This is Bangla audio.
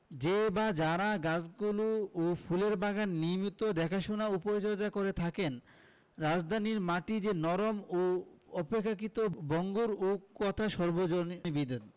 যে বা যারা গাছগুলো ও ফুলের বাগান নিয়মিত দেখাশোনা ও পরিচর্যা করে থাকেন রাজধানীর মাটি যে নরম ও অপেক্ষাকৃত ভঙ্গুর এ কথা সর্বজনবিদিত